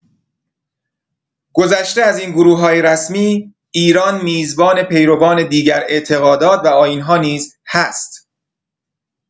گذشته از این گروه‌های رسمی، ایران میزبان پیروان دیگر اعتقادات و آیین‌ها نیز هست.